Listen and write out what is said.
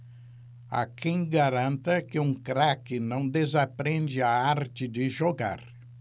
há quem garanta que um craque não desaprende a arte de jogar